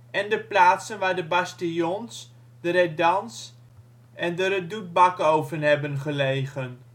en de plaatsen waar de bastions, de redans en de redoute Bakoven hebben gelegen